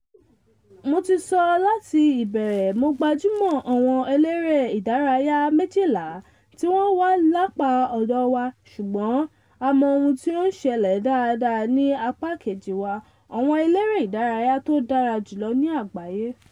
Mo ti sọ mláti ìbẹ̀rẹ̀, Mo gbájúmọ́ àwọn èléré ìdárayá 12 tí wọ́n wà lápá ọ̀dọ̀ wa, ṣùgbọ́n a mọ ohun tí ó ń ṣẹlẹ̀ dáadáa ní apá kejì wa -. àwọn eléré ìdárayá tó dára jùlọ ní àgbáyé”